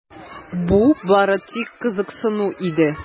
Бу бары тик кызыксыну иде.